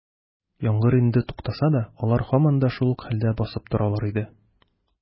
Яңгыр инде туктаса да, алар һаман да шул ук хәлдә басып торалар иде.